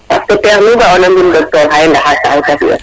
parce que teex nu ga oxa mbin Doctor xaye ndaxar taxu te fiyel